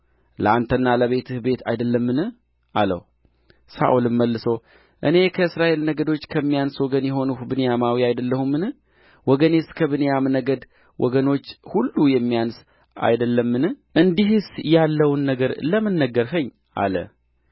ለአንተና ለአባትህ ቤት አይደለምን አለው ሳኦልም መልሶ እኔ ከእስራኤል ነገዶች ከሚያንስ ወገን የሆንሁ ብንያማዊ አይደለሁምን ወገኔስ ከብንያም ነገድ ወገኖች ሁሉ የሚያንስ አይደለምን እንዲህስ ያለውን ነገር ለምን ነገርኸኝ አለው